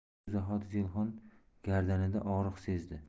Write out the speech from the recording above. shu zahoti zelixon gardanida og'riq sezdi